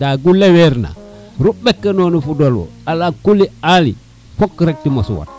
nda gu leweer na ruk ɓekanona fudole wo ala kuli ali fok rek te moso wat